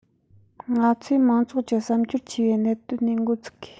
ང ཚོས མང ཚོགས ཀྱི བསམ འཆར ཆེ བའི གནད དོན ནས འགོ ཚུགས དགོས